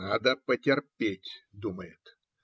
"Надо потерпеть", - думает.